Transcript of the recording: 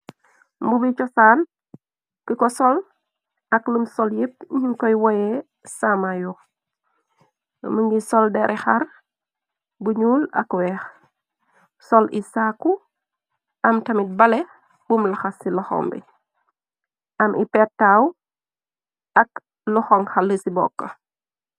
Mbubi chosaan ki ko sol ak lum sol yépp ñun koy woye samayo mi ngi soldari xar bu ñuul ak weex sol i saaku am tamit bale bumlxas ci loxom bi am ipettaaw ak loxong xal ci bokk.